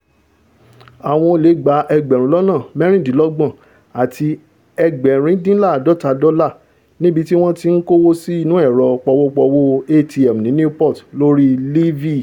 Àwọn olè gba ẹgbẹ́rùn lọ́nà mẹ́rìndínlọ́gbọ̀n àti ẹgbẹ̀rindíńlá́àádọ́ta dọ́là níbití wọ́n ti ńkówósí inú ẹ̀rọ pọwọ́-pọwọ́ ATM ní Newport lórí Levee